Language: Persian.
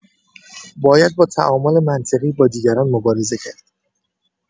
باید با تعامل منطقی با دیگران مبارزه کرد.